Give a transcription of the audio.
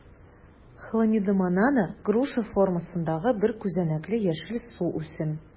Хламидомонада - груша формасындагы бер күзәнәкле яшел суүсем.